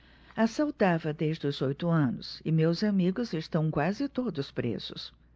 assaltava desde os oito anos e meus amigos estão quase todos presos